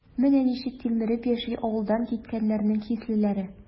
Менә ничек тилмереп яши авылдан киткәннәрнең хислеләре?